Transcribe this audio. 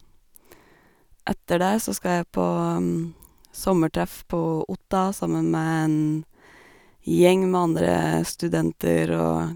Etter det så skal jeg på sommertreff på Otta sammen med en gjeng med andre studenter og...